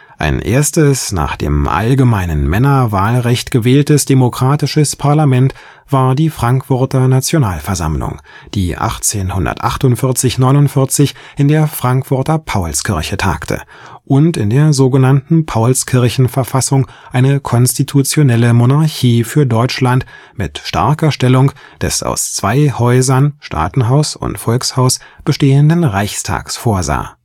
Ein erstes nach dem allgemeinen (Männer -) Wahlrecht gewähltes demokratisches Parlament war die Frankfurter Nationalversammlung, die 1848 / 1849 in der Frankfurter Paulskirche tagte und in der sogenannten Paulskirchenverfassung eine konstitutionelle Monarchie für Deutschland mit starker Stellung des aus zwei Häusern (Staatenhaus und Volkshaus) bestehenden Reichstags vorsah